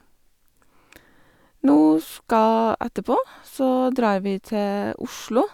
nå skal Etterpå så drar vi til Oslo.